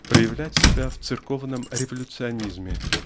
проявлять себя в церковном революционизме